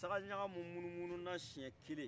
sagaɲagamu munumunu na siɲɛ kelen